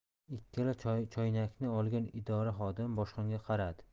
ikkala choynakni olgan idora xodimi boshqonga qaradi